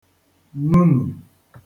nunù